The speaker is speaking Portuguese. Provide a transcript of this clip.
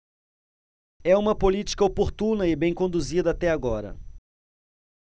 é uma política oportuna e bem conduzida até agora